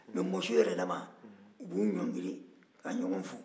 mɛ mɔsiw yɛrɛ dama u b'u ɲɔngirin ka ɲɔgɔn fo